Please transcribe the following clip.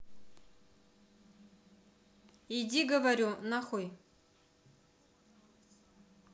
иди говорю нахуй